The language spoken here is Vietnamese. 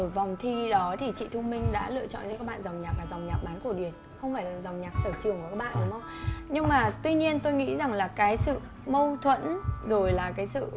ở vòng thi đó thì chị thu minh đã lựa chọn cho các bạn dòng nhạc là dòng nhạc bán cổ điển không phải là dòng nhạc sở trường của các bạn đúng không nhưng mà tuy nhiên tôi nghĩ rằng là cái sự mâu thuẫn rồi là cái sự